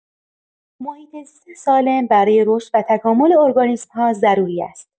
محیط‌زیست سالم برای رشد و تکامل ارگانیسم‌ها ضروری است.